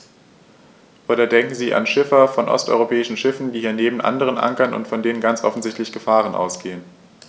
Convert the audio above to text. Oder denken Sie an Schiffer von osteuropäischen Schiffen, die hier neben anderen ankern und von denen ganz offensichtlich Gefahren ausgehen.